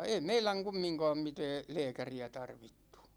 ei meidän kumminkaan mitään lääkäriä tarvittu